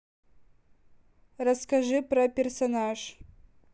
расскажи про персонаж